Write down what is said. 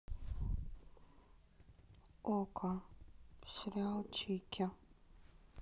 окко сериал чики